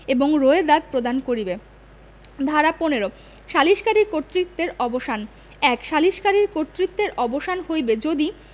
এবং রোয়েদাদ প্রদান করিবে ধারা ১৫ সালিসকারীর কর্তৃত্বের অবসানঃ ১ সালিসকারীর কর্তৃত্বের অবসান হইবে যদি